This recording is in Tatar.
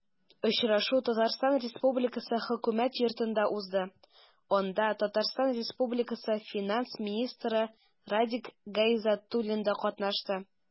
Очрашу Татарстан Республикасы Хөкүмәт Йортында узды, анда ТР финанс министры Радик Гайзатуллин да катнашты.